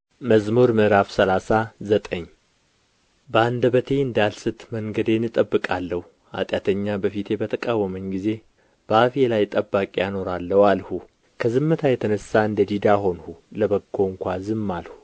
መዝሙር ምዕራፍ ሰላሳ ዘጠኝ በአንደበቴ እንዳልስት መንገዴን እጠብቃለሁ ኃጢአተኛ በፊቴ በተቃወመኝ ጊዜ በአፌ ላይ ጠባቂ አኖራለሁ አልሁ ከዝምታ የተነሣ እንደ ዲዳ ሆንሁ ለበጎ እንኳ ዝም አልሁ